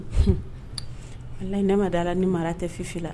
walahi ne ma d'a la ni mara tɛ Fifi la